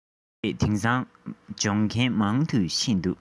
རེད དེང སང སྦྱོང མཁན མང དུ ཕྱིན ཡོད རེད